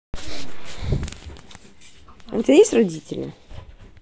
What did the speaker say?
а у тебя есть родители